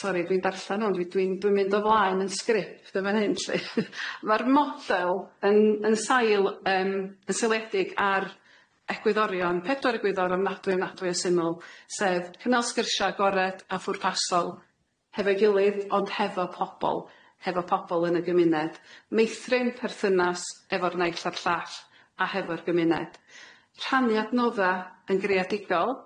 Sori dwi'n darllan hwn dwi'n dwi'n mynd o flaen yn sgript yn fan hyn lly ma'r model yn yn sail yym yn seiliedig ar egwyddorion, pedwar egwyddor ofnadwy ofnadwy o syml, sef cynnal sgyrsia agored a phwrpasol hefo'i gilydd ond hefo pobol, hefo pobol yn y gymuned, meithrin perthynas efo'r naill a'r llall a hefo'r gymuned. Rhannu adnodda yn greadigol.